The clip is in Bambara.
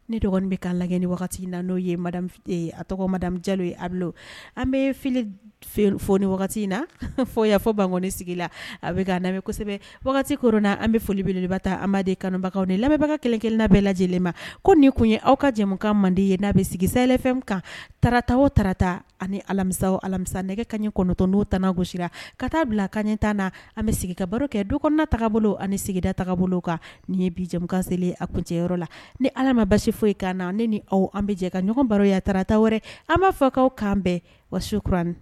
Ne dɔgɔnin bɛ ka lajɛ ni wagati in na n'o ye a tɔgɔ ma jalo ye abu an bɛ fili f ni wagati in na fɔ' fɔ bankɔni sigi la a bɛ lamɛn kosɛbɛ wagati ko na an bɛ folibeleliba tan anba de kanubagaw ni lamɛnbagawbaga kelenkelen labɛn bɛɛ lajɛ lajɛlen ma ko nin kun ye aw ka jamanakan mande ye' bɛ sigisɛlɛfɛn kan tata o tata ani alamisa alamisa nɛgɛ kaɲɛ kɔnɔntɔn n'o t gosisi ka taa bila a ka ɲɛ tan na an bɛ sigika baro kɛ du kɔnɔnataa bolo ani sigidataa bolo kan nin ye bijakan seli kuncɛyɔrɔ la ni ala ma basi foyi kan na ne ni aw an bɛ jɛ ka ɲɔgɔn baro ye a tarata wɛrɛ an b'a faga kanan bɛɛ wakurauran